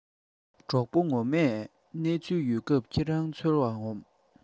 གྲོགས པོ ངོ མས གནས ཚུལ ཡོད སྐབས ཁྱེད རང འཚོལ བར འོང